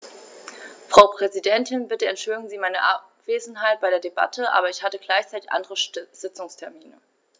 Frau Präsidentin, bitte entschuldigen Sie meine Abwesenheit bei der Debatte, aber ich hatte gleichzeitig andere Sitzungstermine.